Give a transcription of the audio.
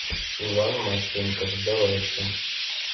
иван масленников сдавайся